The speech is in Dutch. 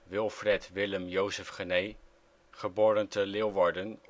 Wilfred Willem Jozef Genee (Leeuwarden